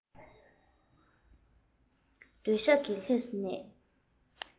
སྡོད ཤག གི ལྷས སུ བསྡད